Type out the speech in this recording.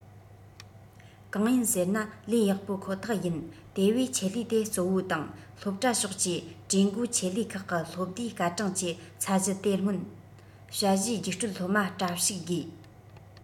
གང ཡིན ཟེར ན ལས ཡག པོ ཁོ ཐག ཡིན དེ བས ཆེད ལས དེ གཙོ བོ དང སློབ གྲྭ ཕྱོགས ཀྱི གྲོས འགོ ཆེད ལས ཁག གི སློབ བསྡུའི སྐར གྲངས ཀྱི ཚད གཞི དེ སྔོན དཔྱད གཞི རྒྱུགས སྤྲོད སློབ མ དྲ ཞུགས དགོས